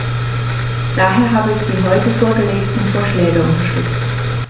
Daher habe ich die heute vorgelegten Vorschläge unterstützt.